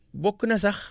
bokk na sax